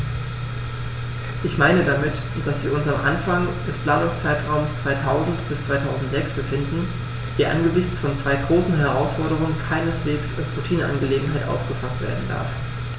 Ich meine damit, dass wir uns am Anfang des Planungszeitraums 2000-2006 befinden, der angesichts von zwei großen Herausforderungen keineswegs als Routineangelegenheit aufgefaßt werden darf.